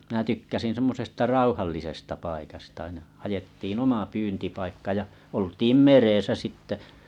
minä tykkäsin semmoisesta rauhallisesta paikasta aina haettiin oma pyyntipaikka ja oltiin meressä sitten